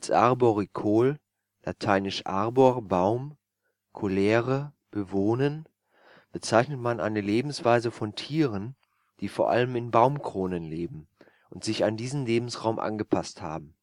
arborikol (lat. arbor „ Baum “, colere „ bewohnen “) bezeichnet man eine Lebensweise von Tieren, die vor allem in Baumkronen leben und sich an diesen Lebensraum angepasst haben